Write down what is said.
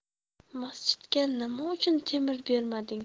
masjidga nima uchun temir bermading